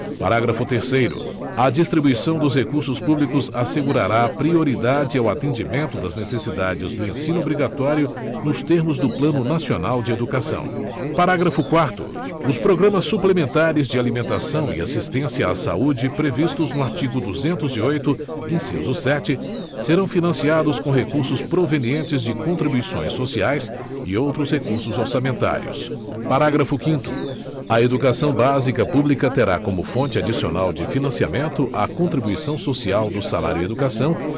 parágrafo terceiro a distribuição dos recursos públicos assegurará prioridade ao atendimento das necessidades do ensino obrigatório nos termos do plano nacional de educação parágrafo quarto os programas suplementares de alimentação e assistência à saúde previstos no artigo duzentos e oito inciso sete serão financiados com recursos provenientes de contribuições sociais e outros recursos orçamentários parágrafo quinto a educação básica pública terá como fonte adicional de financiamento a contribuição social do salário educação